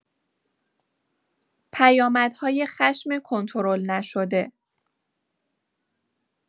پیامدهای خشم کنترل‌نشده